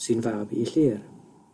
sy'n fab i'i Llyr.